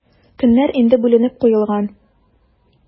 Көннәр инде бүленеп куелган.